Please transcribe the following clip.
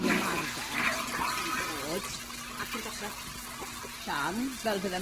i ymarfer i fod ac yn dechrau potsian fel fydde